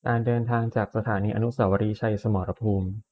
การเดินทางจากสถานีอนุสาวรีย์ชัยสมรภูมิ